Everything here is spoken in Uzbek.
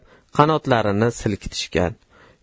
qanotlarini silkitishgan